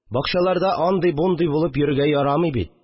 Бакчаларда андый-бундый булып йөрергә ярамый бит